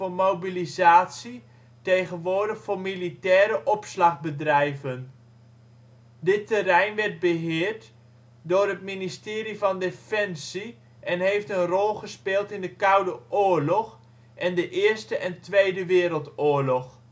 Mobilisatie, tegenwoordig voor Militaire OpslagBedrijven. Dit terrein werd beheerd door het Ministerie van Defensie en heeft een rol gespeeld in de Koude Oorlog en de Eerste - en Tweede Wereldoorlog